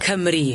Cymru.